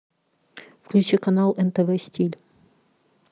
включи канал нтв стиль